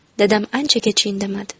dadam anchagacha indamadi